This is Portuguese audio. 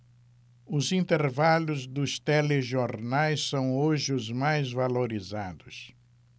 os intervalos dos telejornais são hoje os mais valorizados